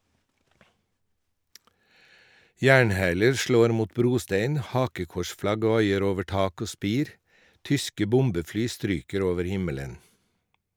Jernhæler slår mot brostein, hakekorsflagg vaier over tak og spir, tyske bombefly stryker over himmelen.